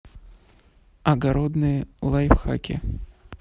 огородные лайфхаки